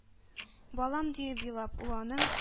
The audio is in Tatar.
— балам! — диеп, елап, ул аның